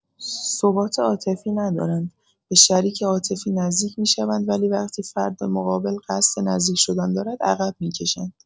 ثبات عاطفی ندارند؛ به شریک عاطفی نزدیک می‌شوند ولی وقتی فرد مقابل قصد نزدیک‌شدن دارد عقب می‌کشند.